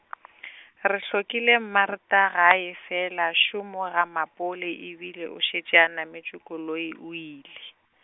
re hlokile Martha gae fela šo mo ga Mapole ebile o šetše a nametše koloi o ile.